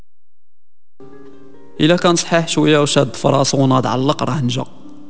اذا كان صحيح شويه فراس هنا تعلق رانجو